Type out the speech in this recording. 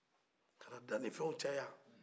ka na dani fɛn caya